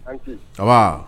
Ayiwa